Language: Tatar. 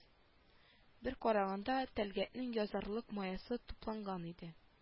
Бер караганда тәлгатнең язарлык маясы тупланган иде